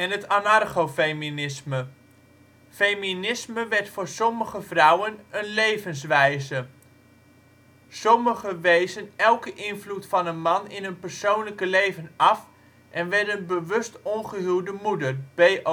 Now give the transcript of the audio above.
het anarcho-feminisme. Feminisme werd voor sommige vrouwen een levenswijze. Sommigen wezen elke invloed van een man in hun persoonlijke leven af en werden bewust ongehuwde moeder (BOM